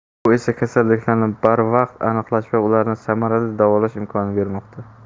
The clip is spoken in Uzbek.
bu esa kasalliklarni barvaqt aniqlash va ularni samarali davolash imkonini bermoqda